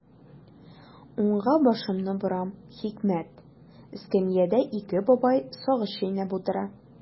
Уңга башымны борам– хикмәт: эскәмиядә ике бабай сагыз чәйнәп утыра.